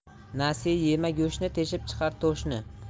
nasiya yema go'shtni teshib chiqar to'shni